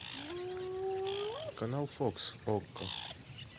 канал фокс окко